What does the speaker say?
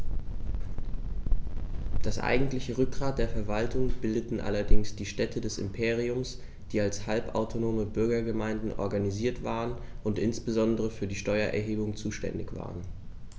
Das eigentliche Rückgrat der Verwaltung bildeten allerdings die Städte des Imperiums, die als halbautonome Bürgergemeinden organisiert waren und insbesondere für die Steuererhebung zuständig waren.